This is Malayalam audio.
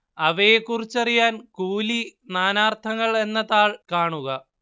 അവയെക്കുറിച്ചറിയാൻ കൂലി നാനാർത്ഥങ്ങൾ എന്ന താൾ കാണുക